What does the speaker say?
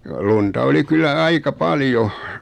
lunta oli kyllä aika paljon